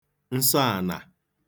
nsọànà